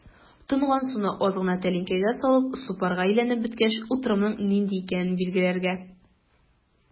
Тонган суны аз гына тәлинкәгә салып, су парга әйләнеп беткәч, утырымның нинди икәнен билгеләргә.